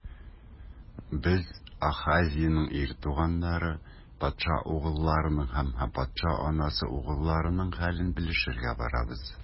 Без - Ахазеянең ир туганнары, патша угылларының һәм патша анасы угылларының хәлен белешергә барабыз.